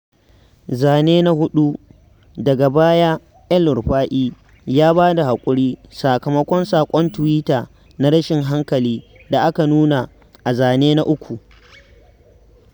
Zane na 4: Daga baya El-Rufai ya ba da haƙuri sakamakon saƙon tuwita 'na rashin hankali" da aka nuna a Zane na 3.